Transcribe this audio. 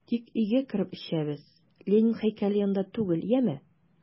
Тик өйгә кереп эчәбез, Ленин һәйкәле янында түгел, яме!